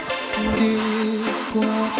đi qua